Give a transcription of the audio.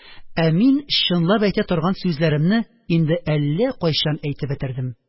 Ә мин чынлап әйтә торган сүзләремне инде әллә кайчан әйтеп бетердем